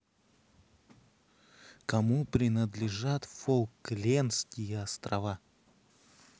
кому принадлежат фолклендские острова